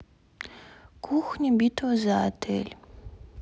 кухня битва за отель